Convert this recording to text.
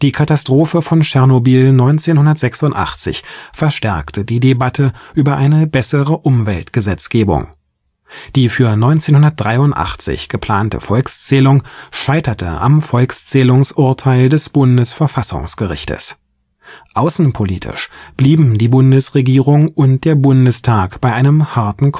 Katastrophe von Tschernobyl 1986 verstärkte die Debatte über eine bessere Umweltgesetzgebung. Die für 1983 geplante Volkszählung scheiterte am Volkszählungsurteil des Bundesverfassungsgerichtes. Außenpolitisch blieben die Bundesregierung und der Bundestag bei einem harten